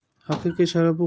haqiqiy sharaf bu